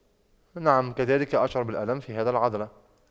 نعم كذلك أشعر بالآلام في هذا العضلة